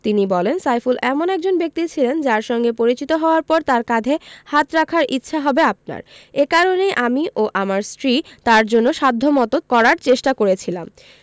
তিনি বলেন সাইফুল এমন একজন ব্যক্তি ছিলেন যাঁর সঙ্গে পরিচিত হওয়ার পর তাঁর কাঁধে হাত রাখার ইচ্ছা হবে আপনার এ কারণেই আমি ও আমার স্ত্রী তাঁর জন্য সাধ্যমতো করার চেষ্টা করেছিলাম